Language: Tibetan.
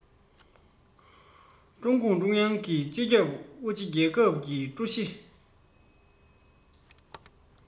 ཀྲུང གུང ཀྲུང དབྱང གི སྤྱི ཁྱབ ཧྲུའུ ཅིའམ རྒྱལ ཁབ ཀྱི ཀྲུའུ ཞི